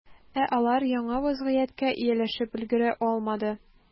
Ә алар яңа вәзгыятькә ияләшеп өлгерә алмады.